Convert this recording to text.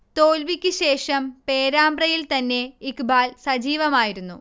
തോൽവിക്ക് ശേഷം പേരാമ്പ്രയിൽ തന്നെ ഇഖ്ബാൽ സജീവമായിരുന്നു